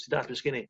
ti dallt be' sgeni?